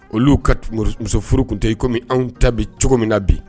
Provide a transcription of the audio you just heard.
Olu ka muso furu tun tɛ yen i comme anw ta bɛ cogo min na bi.